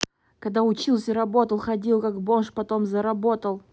когда учился работал ходил как бомж потом заработал